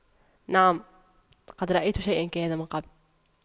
نعم لقد رأيت شيئا كهذا من قبل